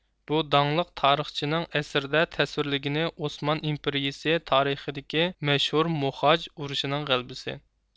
بۇ داڭلىق تارىخچىنىڭ ئەسىرىدە تەسۋىرلىگىنى ئوسمان ئىمپېرىيىسى تارىخىدىكى مەشھۇر موخاج ئۇرۇشىنىڭ غەلىبىسى